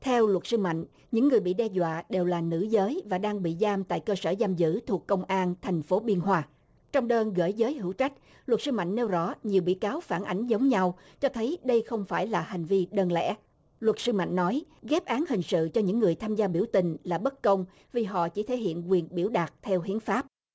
theo luật sư mạnh những người bị đe dọa đều là nữ giới và đang bị giam tại cơ sở giam giữ thuộc công an thành phố biên hòa trong đơn gửi giới hữu trách luật sư mạnh nêu rõ nhiều bị cáo phản ảnh giống nhau cho thấy đây không phải là hành vi đơn lẻ luật sư mạnh nói ghép án hình sự cho những người tham gia biểu tình là bất công vì họ chỉ thể hiện quyền biểu đạt theo hiến pháp